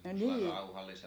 niin